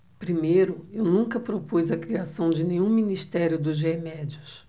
primeiro eu nunca propus a criação de nenhum ministério dos remédios